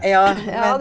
ja men.